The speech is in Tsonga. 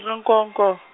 Nkowanko-.